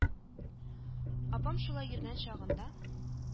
Апам шулай йөргән чагында